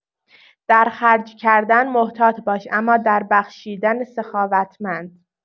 در خرج‌کردن محتاط باش اما در بخشیدن سخاوتمند.